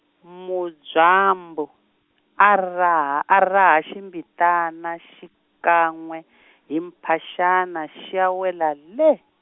Mudzwambu, a raha a raha ximbitana xikan'we , hi mphaxana xi ya wela lee.